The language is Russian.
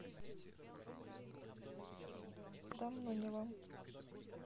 дамно не вам